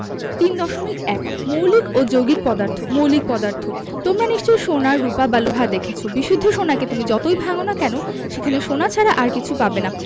৩.১ মৌলিক ও যৌগিক পদার্থঃ মৌলিক পদার্থ তোমরা নিশ্চয় সোনা রুপা বা লোহা দেখেছ বিশুদ্ধ সোনাকে তুমি যতই ভাঙ না কেন সেখানে সোনা ছাড়া আর কিছু পাবে না